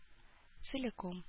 Целиком